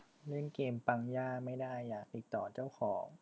เล่นเกมปังย่าไม่ได้อยากติดต่อเจ้าของ